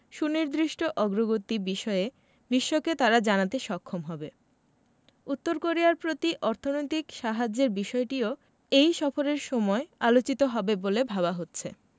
সুনির্দিষ্ট অগ্রগতি বিষয়ে বিশ্বকে তারা জানাতে সক্ষম হবে উত্তর কোরিয়ার প্রতি অর্থনৈতিক সাহায্যের বিষয়টিও এই সফরের সময় আলোচিত হবে বলে ভাবা হচ্ছে